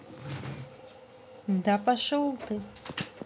да пошел ты